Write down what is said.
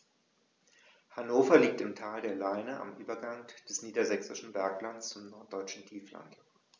Hannover liegt im Tal der Leine am Übergang des Niedersächsischen Berglands zum Norddeutschen Tiefland.